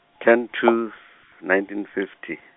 ten two f-, nineteen fifty.